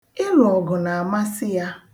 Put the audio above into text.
Ịlụ ọgụ na-amasị ya.